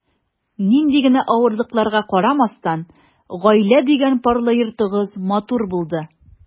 Нинди генә авырлыкларга карамастан, “гаилә” дигән парлы йортыгыз матур булды.